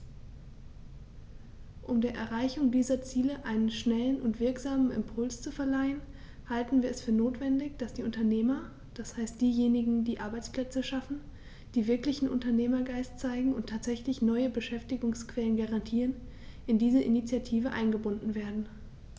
Um der Erreichung dieser Ziele einen schnellen und wirksamen Impuls zu verleihen, halten wir es für notwendig, dass die Unternehmer, das heißt diejenigen, die Arbeitsplätze schaffen, die wirklichen Unternehmergeist zeigen und tatsächlich neue Beschäftigungsquellen garantieren, in diese Initiative eingebunden werden.